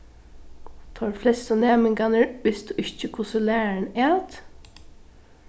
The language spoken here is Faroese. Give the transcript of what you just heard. teir flestu næmingarnir vistu ikki hvussu lærarin æt